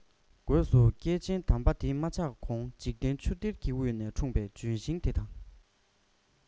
སྒོས སུ སྐལ ཆེན འདི མ ཆགས གོང འཇིག རྟེན ཆུ གཏེར གྱི དབུས ན འཁྲུངས པའི ལྗོན ཤིང དེ དང